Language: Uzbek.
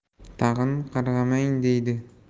tag'in qarg'amang deydi